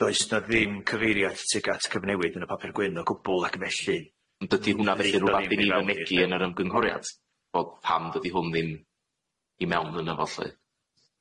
Does na ddim cyfeiriad tuag at cyfnewid yn y papur gwyn o gwbwl ac yn felly dydi hwnna felly rwbath i ni fynegi yn yr ymgynghoriad? Wel pam dydi hwn ddim i mewn yn y fo lly?